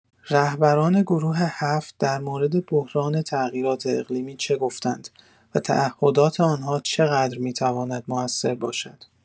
رهبران گروه هفت در مورد بحران تغییرات اقلیمی چه گفتند و تعهدات آنها چقدر می‌تواند موثر باشد؟